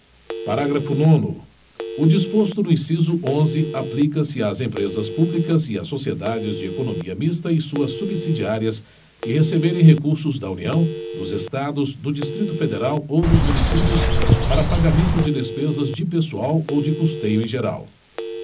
parágrafo nono o disposto no inciso onze aplica se às empresas públicas e às sociedades de economia mista e suas subsidiárias que receberem recursos da união dos estados do distrito federal ou dos municípios para pagamento de despesas de pessoal ou de custeio em geral